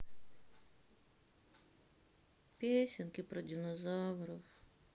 песенки про динозавров